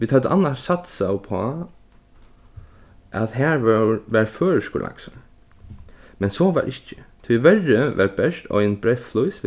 vit høvdu annars satsað uppá at har var føroyskur laksur men so var ikki tíverri var bert ein breyðflís